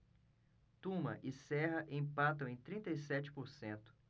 tuma e serra empatam em trinta e sete por cento